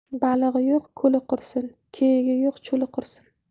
balig'i yo'q ko'li qursin kiyigi yo'q cho'li qursin